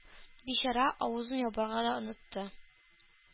Бичара, авызын ябарга да онытты.